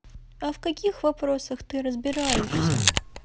а в каких вопросах ты разбираешься